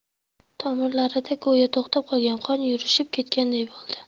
tomirlarida go'yo to'xtab qolgan qon yurishib ketganday bo'ldi